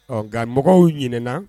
Ɔɔ nga mɔgɔw ɲinɛna